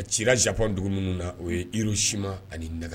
A ci jaapɔn dugu minnu na o ye yiri sima ani daga